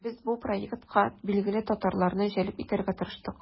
Без бу проектка билгеле татарларны җәлеп итәргә тырыштык.